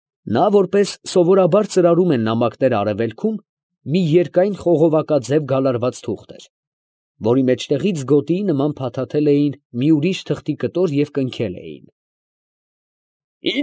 Նա, որպես սովորաբար ծրարում են նամակները արևելքում, մի երկայն խողովակաձև գալարված թուղթ էր, որի մեջտեղից գոտիի նման փաթաթել էին մի ուրիշ թղթի կտոր և կնքել էին։ ֊